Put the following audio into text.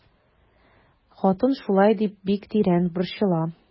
Хатын шулай дип бик тирән борчыла.